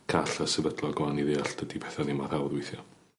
call a sefydlog ŵan i ddeall dydi pethe ddim mor hawdd weithia.